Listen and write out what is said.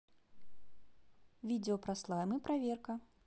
видео про слаймы проверка